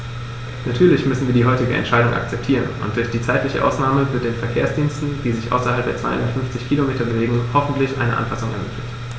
Natürlich müssen wir die heutige Entscheidung akzeptieren, und durch die zeitliche Ausnahme wird den Verkehrsdiensten, die sich außerhalb der 250 Kilometer bewegen, hoffentlich eine Anpassung ermöglicht.